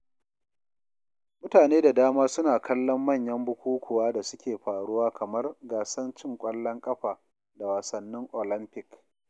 Mutane da dama suna kallon manyan bukukuwa da suke faruwa kamar Gasar Cin Ƙwallon Ƙafa da Wasannin Olamfik.